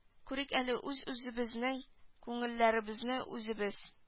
Күрик әле үзебезнең күңелебезне үзебез